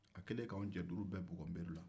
a kɛlen k'an cɛ duuru bɛɛ bugɔ nbari la